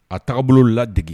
A taabolo bolo ladeigige